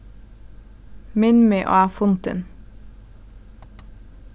minn meg á fundin